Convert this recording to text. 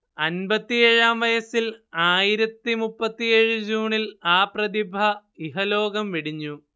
അൻപത്തിയേഴാം വയസ്സിൽ ആയിരത്തിമുപ്പത്തിയേഴ് ജൂണിൽ ആ പ്രതിഭ ഇഹലോകം വെടിഞ്ഞു